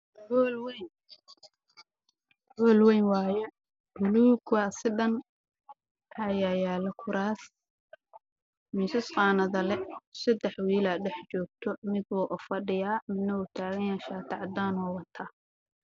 Waa hool wayn waa wada buluug